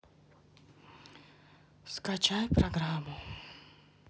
скачай программу